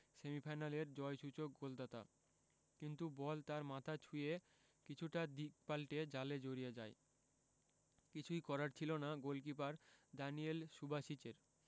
সেমিফাইনালের জয়সূচক গোলদাতা কিন্তু বল তার মাথা ছুঁয়ে কিছুটা দিক পাল্টে জালে জড়িয়ে যায় কিছুই করার ছিল না গোলকিপার দানিয়েল সুবাসিচের